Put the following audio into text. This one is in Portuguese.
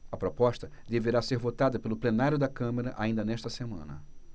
a proposta deverá ser votada pelo plenário da câmara ainda nesta semana